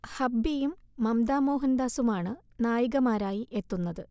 ഹബ്ബിയും മമ്ത മോഹൻദാസുമാണ് നായികമാരായി എത്തുന്നത്